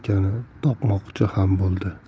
akani topmoqchi ham bo'ldi